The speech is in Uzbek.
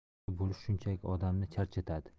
yaxshi bo'lish shunchaki odamni charchatadi